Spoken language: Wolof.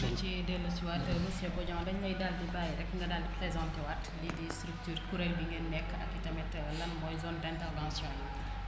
nañ ci dellusiwaat monsieur: Fra Bodian dañ lay daal di bàyyi rekk nga daal di présenté waat lii di structure kuréel bi ngeen nekk ak itamit lan mooy zone d' intervention bi